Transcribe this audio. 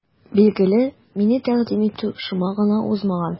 Билгеле, мине тәкъдим итү шома гына узмаган.